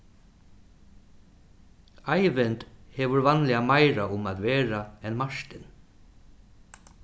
eivind hevur vanliga meira um at vera enn martin